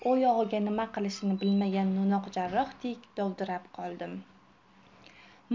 u yog'iga nima qilishini bilmagan no'noq jarrohdek dovdirab qoldim